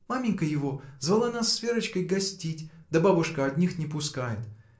Маменька его звала нас с Верочкой гостить, да бабушка одних не пускает.